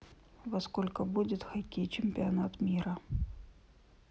во сколько будет хоккей чемпионат мира